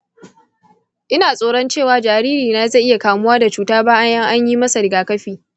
ina tsoron cewa jaririna zai iya kamuwa da cuta bayan an yi masa rigakafi.